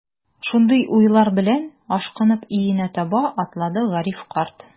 Шундый уйлар белән, ашкынып өенә таба атлады Гариф карт.